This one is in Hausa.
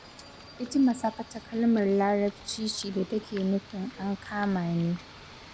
Etmasakta kalmar Larabci ce da take nufin ''An kama ni''.